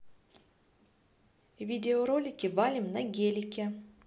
видеоролики валим на гелике